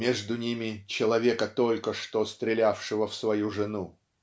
между ними, человека, только что стрелявшего в свою жену.